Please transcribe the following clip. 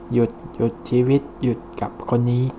หยุดหยุดชีวิตหยุดกับคนนี้